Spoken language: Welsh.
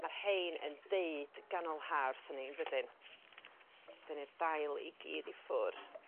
Ma' rhein yn deud ganol ha wrthon ni yndydyn? Dynnu'r dail i gyd i ffwrdd.